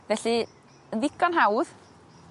Felly yn ddigon hawdd